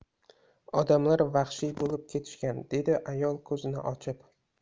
odamlar vahshiy bo'lib ketishgan dedi ayol ko'zini ochib